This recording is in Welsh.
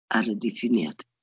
Ar y diffiniad.